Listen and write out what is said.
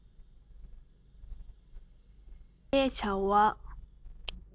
མཁས པའི བྱ བ